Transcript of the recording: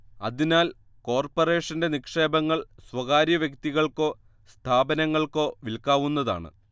അതിനാൽ കോർപ്പറേഷന്റെ നിക്ഷേപങ്ങൾ സ്വകാര്യവ്യക്തികൾക്കോ സ്ഥാപനങ്ങൾക്കോ വിൽക്കാവുന്നതാണ്